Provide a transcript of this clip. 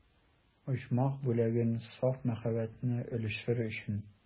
Оҗмах бүләген, саф мәхәббәтне өләшер өчен.